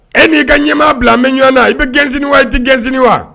E n'i ka ɲɛmaa bila n bɛ ɲɔgɔn na i bɛ gɛn sini wa, i tɛ gɛn sini wa